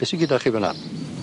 Be sy gyda chi fyn 'na?